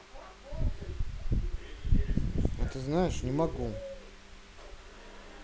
а ты знаешь не могу